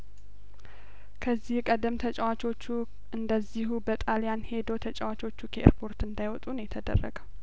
ከዚህ ቀደም ተጨዋቾቹ እንደዚሁ በጣልያን ሄዶ ተጨዋቾቹ ከኤርፖርት እንዳይወጡ ነው የተደረገው